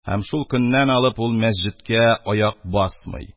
Һәм шул көннән алып ул мәсҗедкә аяк басмый;